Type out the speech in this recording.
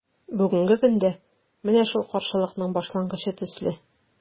Бүгенге көндә – менә шул каршылыкның башлангычы төсле.